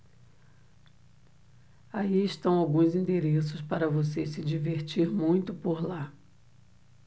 aí estão alguns endereços para você se divertir muito por lá